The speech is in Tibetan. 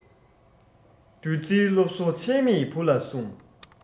བདུད རྩིའི སློབ གསོ ཆད མེད བུ ལ གསུང